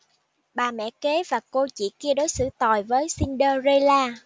bà mẹ kế và cô chị kia đối xử tồi với cinderella